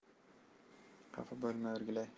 xafa bo'lma o'rgilay